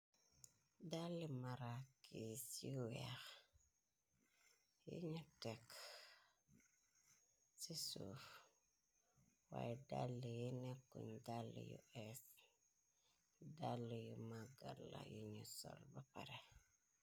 Daalli maraakis yu weex yiñu tekk ci suuf waaye dàala yi nekkuñ dàala yu ess dàala yu magget la yuñu sol ba pare.